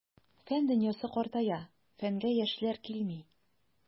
Фән дөньясы картая, фәнгә яшьләр килми.